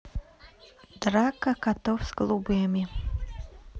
драка котов с голубями